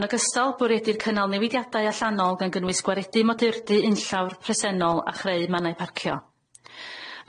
Yn ogystal bwriedir cynnal newidiadau allanol gan gynnwys gwaredu modurdy unllawr presennol a chreu mannau parcio.